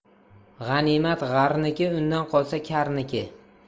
g'animat g'arniki undan qolsa karniki